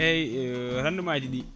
eyyi rendement ji ɗi